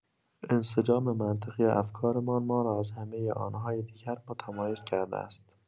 انسجام منطقی افکارمان ما را از همه آن‌های دیگر متمایز کرده است.